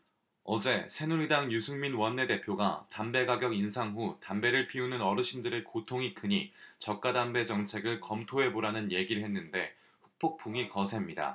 어제 새누리당 유승민 원내대표가 담배가격 인상 후 담배를 피우는 어르신들의 고통이 크니 저가담배 정책을 검토해보라는 얘길 했는데 후폭풍이 거셉니다